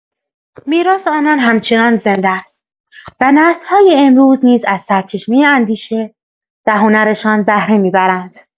میراث آنان همچنان زنده است و نسل‌های امروز نیز از سرچشمه اندیشه و هنرشان بهره می‌برند.